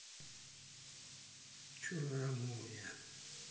черная молния